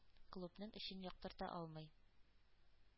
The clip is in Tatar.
Клубның эчен яктырта алмый.